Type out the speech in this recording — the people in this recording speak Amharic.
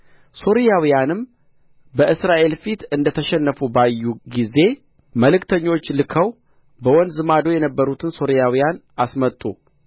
ሶርያውያንም በእስራኤል ፊት እንደ ተሸነፉ ባዩ ጊዜ መልእክተኞች ልከው በወንዝ ማዶ የነበሩትን ሶርያውያን አስመጡ